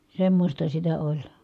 semmoista sitä oli